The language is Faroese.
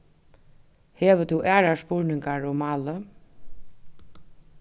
hevur tú aðrar spurningar um málið